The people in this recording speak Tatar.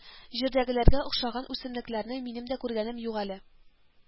Җирдәгеләргә охшаган үсемлекләрне минем дә күргәнем юк әле